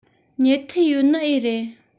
ཉལ ཐུལ ཡོད ནི ཨེ རེད